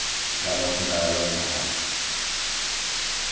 latið okkum bara royna hana